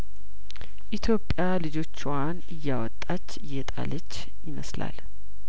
ኢትዮጵያ ልጆችዋን እያወጣች እየጣለች ይመስላል